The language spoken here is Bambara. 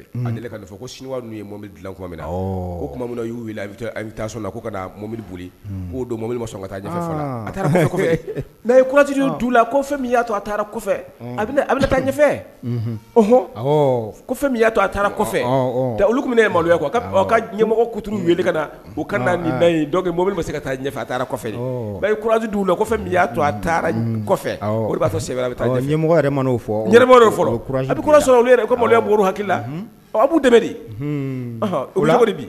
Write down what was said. Mɔbilibili' to a taara kɔfɛ a bɛ taafɛɔn min y'a to a taara kɔfɛ olu tun maloya ka ɲɛmɔgɔ kutu weele ka na ka minmobili bɛ se ka taa ɲɛ taara kɔfɛ yeti la y'a to a taara kɔfɛ o de b'a sɔrɔ sɛ bɛ taa ɲɛmɔgɔ wɛrɛ'mo a bɛ sɔrɔmoya bolo hakililabu tɛmɛ la